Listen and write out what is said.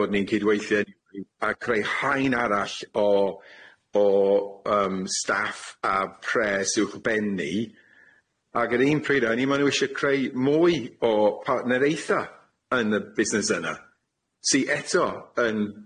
Bod ni'n cydweithio i a creu haen arall o o yym staff a pres uwchbenni ag yr un pryd a o'n i ma' nw isie creu mwy o partner eitha yn y busnes yna sy eto yn